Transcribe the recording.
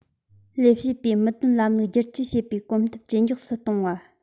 ལས བྱེད པའི མི དོན ལམ ལུགས བསྒྱུར བཅོས བྱེད པའི གོམ སྟབས ཇེ མགྱོགས སུ གཏོང བ